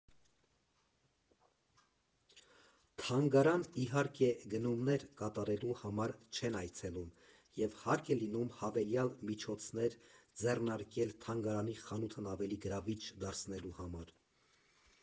Թանգարան, իհարկե, գնումներ կատարելու համար չեն այցելում և հարկ է լինում հավելյալ միջոցներ ձեռնարկել թանգարանի խանութն ավելի գրավիչ դարձնելու համար։